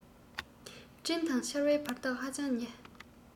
སྤྲིན དང ཆར བའི བར ཐག ཧ ཅང ཉེ